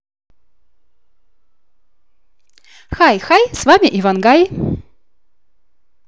хай хай с вами ивангай